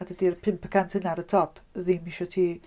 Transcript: A dydy'r pump y cant yna ar y top ddim isio ti.